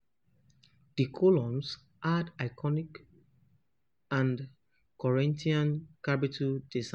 The columns had ionic and Corinthian capital designs.